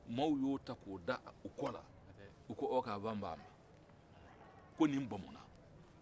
maaw ye o taa ka o da u kɔ la ko ɔkawanbaman ko nin bamunna